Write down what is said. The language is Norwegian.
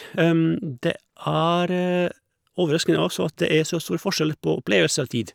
Det er overraskende også at det er så stor forskjell på opplevelse av tid.